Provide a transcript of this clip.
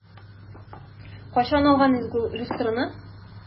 Кайчан алган идек ул люстраны?